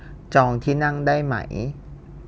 จองที่นั่งได้ไหม